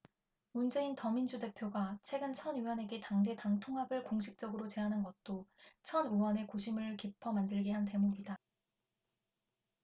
문재인 더민주 대표가 최근 천 의원에게 당대 당 통합을 공식적으로 제안한 것도 천 의원의 고심을 깊어 만들게 한 대목이다